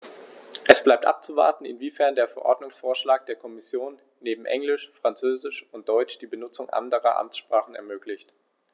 Es bleibt abzuwarten, inwiefern der Verordnungsvorschlag der Kommission neben Englisch, Französisch und Deutsch die Benutzung anderer Amtssprachen ermöglicht.